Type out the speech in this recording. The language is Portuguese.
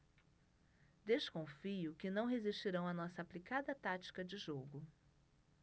desconfio que não resistirão à nossa aplicada tática de jogo